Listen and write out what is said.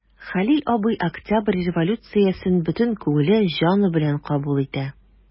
Хәлил абый Октябрь революциясен бөтен күңеле, җаны белән кабул итә.